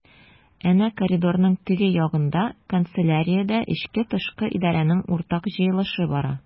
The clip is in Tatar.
Әнә коридорның теге ягында— канцеляриядә эчке-тышкы идарәнең уртак җыелышы бара.